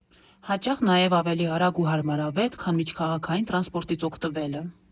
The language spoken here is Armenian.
Հաճախ նաև ավելի արագ ու հարմարավետ, քան միջքաղաքային տրանսպորտից օգտվելը։